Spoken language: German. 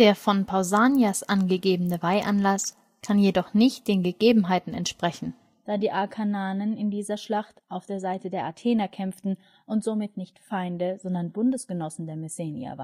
von Pausanias angegebene Weihanlass kann jedoch nicht den Gegebenheiten entsprechen, da die Akarnanen in dieser Schlacht auf Seiten der Athener kämpften und somit nicht Feinde, sondern Bundesgenossen der Messenier